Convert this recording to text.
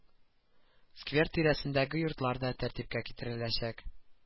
Сквер тирәсендәге йортлар да тәртипкә китереләчәк